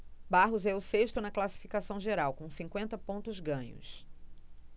barros é o sexto na classificação geral com cinquenta pontos ganhos